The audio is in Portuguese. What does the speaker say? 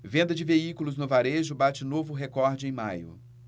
venda de veículos no varejo bate novo recorde em maio